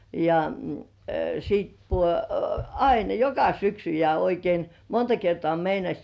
ja sitten - aina joka syksy ja oikein monta kertaa meinasi